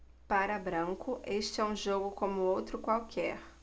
para branco este é um jogo como outro qualquer